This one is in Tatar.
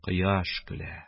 Кояш көлә...